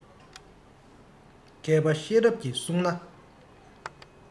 མཁས པ ཤེས རབ ཀྱིས བསྲུང ན